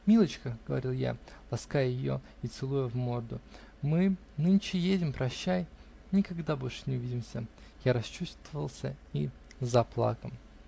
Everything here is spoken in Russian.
-- Милочка, -- говорил я, лаская ее и целуя в морду, -- мы нынче едем: прощай! никогда больше не увидимся. Я расчувствовался и заплакал.